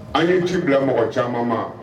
An ye ji bila mɔgɔ caman